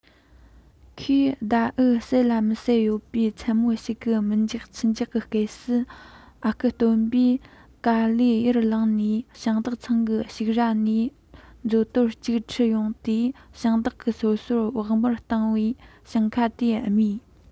ཁོས ཟླ འོད གསལ ལ མི གསལ ཡོད པའི མཚན མོ ཞིག གི མི འཇགས ཁྱི འཇགས ཀྱི སྐབས སུ ཨ ཁུ སྟོན པས ག ལེར ཡར ལངས ནས ཞིང བདག ཚང གི ཕྱུགས ར ནས མཛོ དོར གཅིག ཁྲིད ཡོང སྟེ ཞིང བདག གིས སོ སོར བོགས མར བཏང བའི ཞིང ཁ དེ རྨོས